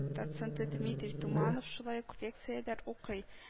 Доценты дмитрий туманов шулай ук лекцияләр укый